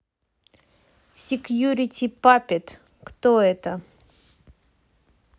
секьюрити puppet кто это